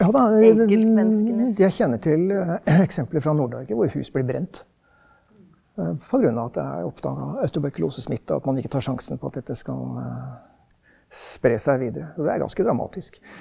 ja da jeg kjenner til eksempler fra Nord-Norge hvor hus blir brent pga. at det er oppdaga tuberkulosesmitte, og at man ikke tar sjansen på at dette skal spre seg videre, og det er ganske dramatisk.